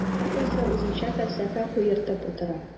Һәркайсы үзенчә фәлсәфә куертып утыра.